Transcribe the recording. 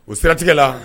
O siratigɛ la